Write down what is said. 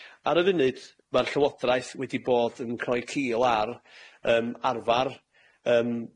Ar y funud, ma'r llywodraeth wedi bod yn cnoi cil ar yym arfar yym